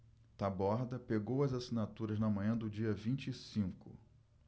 taborda pegou as assinaturas na manhã do dia vinte e cinco